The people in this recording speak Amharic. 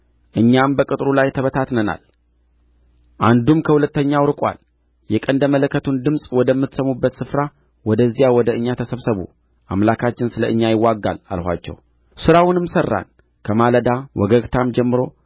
እኛም በቅጥሩ ላይ ተበታትነናል አንዱም ከሁለተኛው ርቆአል የቀንደ መለከቱን ድምፅ ወደምትሰሙበት ስፍራ ወደዚያ ወደ እኛ ተሰብሰቡ አምላካችን ስለ እኛ ይዋጋል አልኋቸው ሥራውንም ሠራን ከማለዳ ወገግታም ጀምሮ